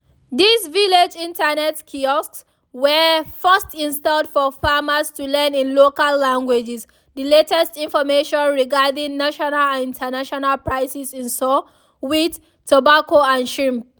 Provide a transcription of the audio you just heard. These village internet kiosks were first installed for farmers to learn in local languages the latest information regarding national and international prices in soy, wheat, tobacco and shrimp.